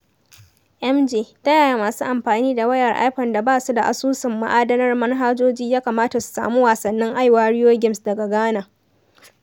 MJ: Ta yaya masu amfanin da wayar iphone da ba su da asusun ma'adanar manhajoji ya kamata su samu wasannin iWarrior Games daga Ghana?